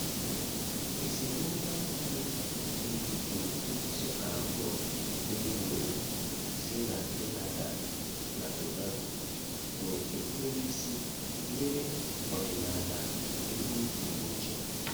Esemokwu ahụ dị n'etiti ndị sọka abụọ na-ewu ewu si na Trinidad na Tobago bụ nkwe n'isi nyere ọdịnala égwú mgbe ochie.